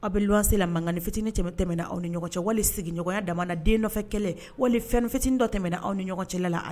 Aw bɛ luwanse mankanni fitinin tɛmɛna aw ni ɲɔgɔn cɛ wali sigiɲɔgɔnya dama na den nɔfɛ kɛlɛ wali fɛnin fitinin dɔ tɛmɛna aw ni ɲɔgɔn cɛ la